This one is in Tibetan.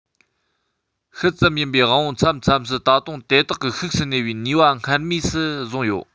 ཤུལ ཙམ ཡིན པའི དབང པོ མཚམས མཚམས སུ ད དུང དེ དག གི ཤུགས སུ གནས པའི ནུས པ སྔར མུས སུ བཟུང ཡོད